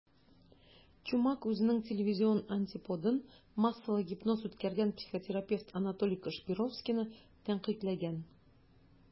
Чумак үзенең телевизион антиподын - массалы гипноз үткәргән психотерапевт Анатолий Кашпировскийны тәнкыйтьләгән.